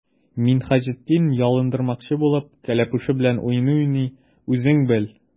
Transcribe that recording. Минһаҗетдин, ялындырмакчы булып, кәләпүше белән уйный-уйный:— Үзең бел!